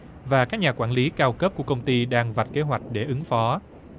và các nhà quản lý cao cấp của công ty đang vạch kế hoạch để ứng phó